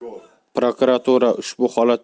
prokuratura ushbu holat